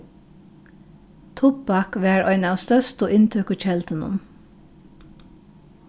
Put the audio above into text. tubbak var ein av størstu inntøkukeldunum